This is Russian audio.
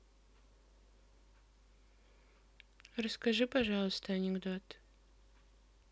расскажи пожалуйста анекдот